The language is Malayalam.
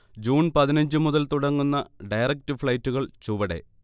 ജൂൺ പതിനഞ്ച് മുതൽ തുടങ്ങുന്ന ഡയറക്ട് ഫൈളൈറ്റുകൾ ചുവടെ